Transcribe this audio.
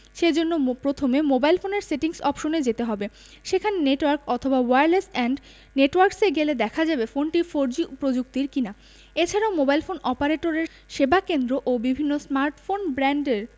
সেজন্য প্রথমে মোবাইল ফোনের সেটিংস অপশনে যেতে হবে সেখানে নেটওয়ার্ক অথবা ওয়্যারলেস অ্যান্ড নেটওয়ার্কস এ গেলে দেখা যাবে ফোনটি ফোরজি প্রযুক্তির কিনা এ ছাড়াও মোবাইল ফোন অপারেটরের সেবাকেন্দ্র ও বিভিন্ন স্মার্টফোন ব্র্যান্ডের